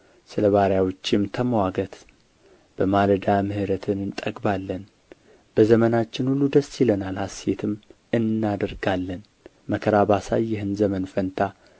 ስለ ባሪያዎችህም ተምዋገት በማለዳ ምሕረትህን እንጠግባለን በዘመናችን ሁሉ ደስ ይለናል ሐሤትም እናደርጋለን መከራ ባሳየኸን ዘመን ፈንታ